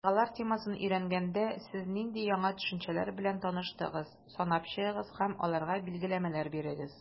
«елгалар» темасын өйрәнгәндә, сез нинди яңа төшенчәләр белән таныштыгыз, санап чыгыгыз һәм аларга билгеләмәләр бирегез.